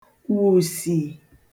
wùsì